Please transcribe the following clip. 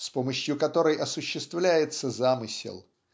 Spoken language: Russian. с помощью которой осуществляется замысел.